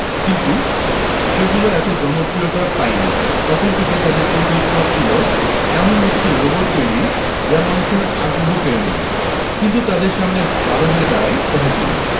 কিন্তু সেগুলো এত জনপ্রিয়তা পায়নি তখন থেকেই তাদের পরিকল্পনা ছিল এমন একটি রোবট তৈরির যা মানুষের আগ্রহ কেড়ে নেবে কিন্তু তাদের সামনে বাধা হয়ে দাঁড়ায় তহবিল